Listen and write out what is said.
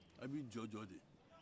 a bɛ jɔjɔ de